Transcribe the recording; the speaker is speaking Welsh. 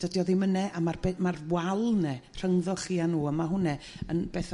dydi o ddim yne a ma'r be- ma'r wal 'ne rhyngddoch chi a nhw a ma' hwnna yn beth